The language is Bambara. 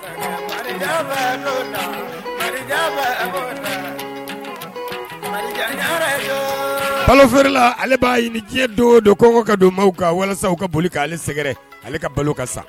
Balo feerela ale b'a ɲini diɲɛ don don ko ka don baw kan walasa ka boli kale sɛgɛrɛ ale ka balo ka sa